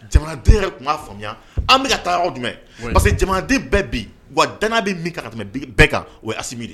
Jamanaden yɛrɛ tun m'a faamuya an bɛ ka taa yɔrɔ jumɛn parce que jamanaden bɛɛ bi wa danga bɛ min kan ka tɛmɛ bi bɛ kan o ye Assimi de ye